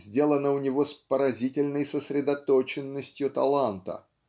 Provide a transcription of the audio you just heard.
сделана у него с поразительной сосредоточенностью таланта